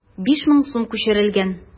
5000 сум күчерелгән.